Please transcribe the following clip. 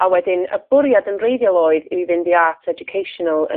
a wedyn y bwriad yn wrheiddiol o'dd i fi fynd i Arts Educational yn